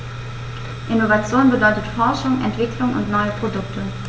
Innovation bedeutet Forschung, Entwicklung und neue Produkte.